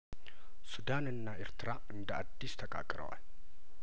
ሱዳንና ኤርትራ እንደአዲስ ተቃቅ ረዋል